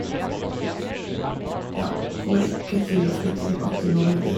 Ja, kommer ikke til å flytte tilbake til Nord-Norge.